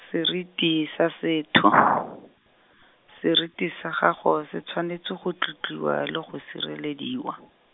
seriti sa setho, seriti sa gago se tshwanetse go tlotliwa le go sirelediwa.